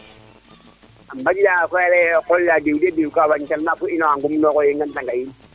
a mbadida nga koy a leye o qol la diw de diw ka wañtal maak we ngum nooxo yeng a ndeta ngayik